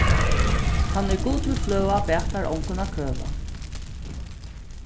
tann ið gud vil fløva batar ongum at køva